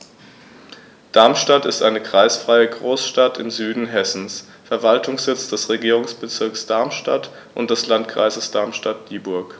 Darmstadt ist eine kreisfreie Großstadt im Süden Hessens, Verwaltungssitz des Regierungsbezirks Darmstadt und des Landkreises Darmstadt-Dieburg.